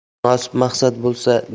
agar munosib maqsad bo'lsa